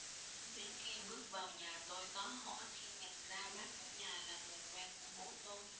đến khi bước vào nhà tôi tá hỏa khi nhận ra bác chủ nhà là người quen của bố tôi